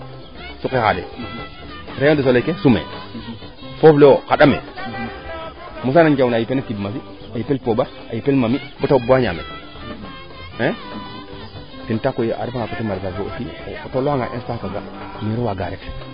saqe xalis rayon de soleil ke sumee foof lewo xandame mosa ga njawna wo yipeena kidmasi a yipel pombar a yipel Mami bata xup baa ñaamel a ten tax koy a refa nga coté maraissage aussi o tolaxanga instant kaaga nangiro waaga ret